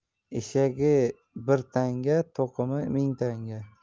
eshagi bir tanga to'qimi ming tanga